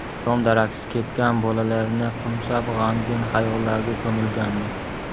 dom daraksiz ketgan bolalarini qo'msab g'amgin xayollarga ko'milgan edi